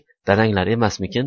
dadanglar emasmikan